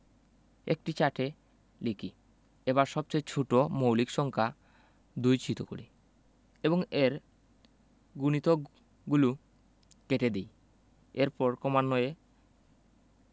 একটি চার্টে লিখি এবার সবচেয়ে ছোট মৌলিক সংখ্যা ২ চিতো করি এবং এর গুণিতকগুলো কেটে দেই এরপর ক্রমান্বয়ে